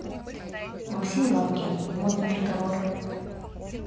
максим галкин модный приговор